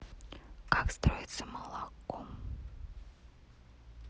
как строится молоком